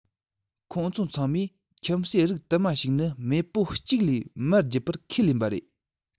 ཁོང ཚོ ཚང མས ཁྱིམ གསོས རིགས དུ མ ཞིག ནི མེས པོ གཅིག ལས མར རྒྱུད པར ཁས ལེན པ རེད